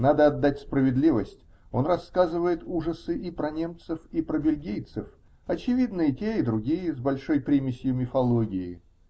Надо отдать справедливость: он рассказывает ужасы и про немцев, и про бельгийцев -- очевидно, и те и другие с большой примесью мифологии.